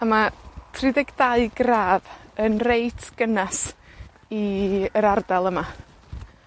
A ma' tri deg dau gradd yn reit gynnes i yr ardal yma.